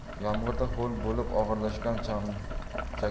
yomg'irda ho'l bo'lib og'irlashgan chakmon